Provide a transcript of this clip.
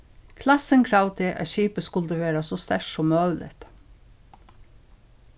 klassin kravdi at skipið skuldi vera so sterkt sum møguligt